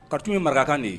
Ka tun ye marakakan de ye